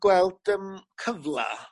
gweld yym cyfla